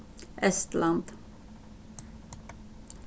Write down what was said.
estland